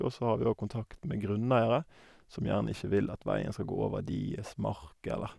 Og så har vi òg kontakt med grunneiere som gjerne ikke vil at veien skal gå over deres mark, eller...